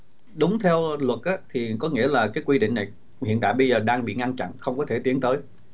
đúng theo luật á thì có nghĩa là cái quy định này hiện tại bây giờ đang bị ngăn chặn không có thể tiến tới